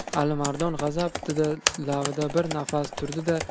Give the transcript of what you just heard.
alimardon g'azab o'tida lovillab bir nafas turdida